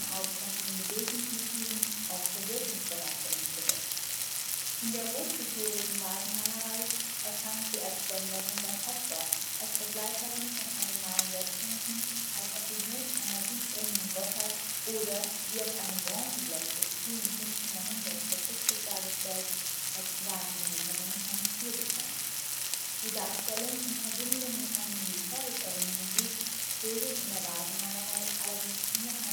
auch der Wirkungsbereich der Nike wächst. In der rotfigurigen Vasenmalerei erscheint sie als Spenderin beim Opfer, als Begleiterin von agonalen Wettkämpfen, als Attribut einer siegbringenden Gottheit oder, wie auf einem Bronzeblech des frühen 5. Jh. v. Chr. dargestellt, als Wagenlenkerin eines Viergespanns. Die Darstellung in Verbindung mit einem militärisch errungenen Sieg bildet in der Vasenmalerei allerdings nur einen geringen Aspekt ihres Wesens